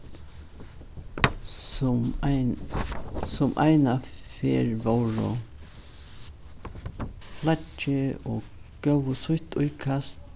sum ein sum eina ferð vóru og góvu sítt íkast